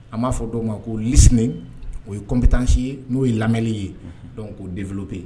A b'a fɔ dɔw ma ko listening o ye compétence ye n'o ye lamɛnni yeunhun, donc k'o dé